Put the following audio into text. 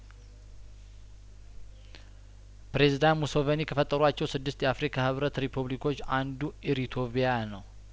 ፕሬዝዳንት ሙሰቬኒ ከፈጠሯቸው ስድስት የአፍሪካ ህብረት ሪፑብሊኮች አንዱ ኢሪቶቪያነው